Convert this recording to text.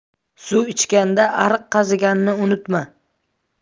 suv ichganda ariq qaziganni unutma